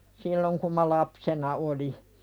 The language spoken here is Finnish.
silloin kun minä lapsena olin